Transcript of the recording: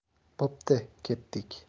bo'pti ketdik